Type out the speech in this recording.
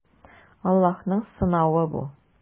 Аллаһның сынавы бу.